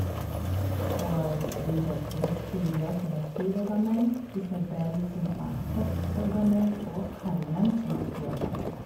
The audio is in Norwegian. Og de heter for Victoria, som er syv år gammel, Isabell, som er seks år gammel, og Carmen, som er tre år gammel.